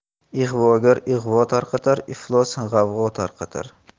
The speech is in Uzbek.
ig'vogar ig'vo tarqatar iflos g'avg'o tarqatar